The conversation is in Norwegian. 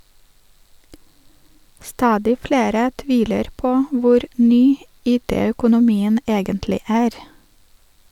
Stadig flere tviler på hvor "ny" IT-økonomien egentlig er.